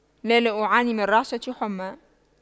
لا لا أعاني من رعشة حمى